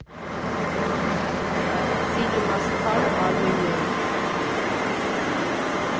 Սինեմա Սթար Արմենիայի։